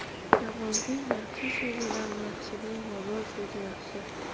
yomonning yaxshi so'zidan yaxshining yomon so'zi yaxshi